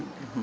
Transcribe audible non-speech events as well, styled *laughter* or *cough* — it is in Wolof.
*hesitation* *hesitation*